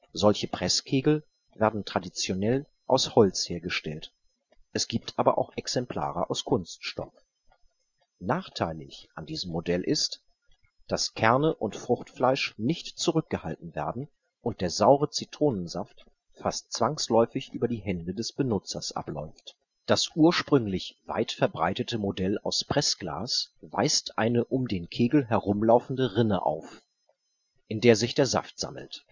Solche Presskegel werden traditionell aus Holz hergestellt, es gibt aber auch Exemplare aus Kunststoff. Nachteilig an diesem Modell ist, dass Kerne und Fruchtfleisch nicht zurückgehalten werden und der saure Zitronensaft fast zwangsläufig über die Hände des Benutzers abläuft. Das ursprünglich weit verbreitete Modell aus Pressglas weist eine um den Kegel herumlaufende Rinne auf, in der sich der Saft sammelt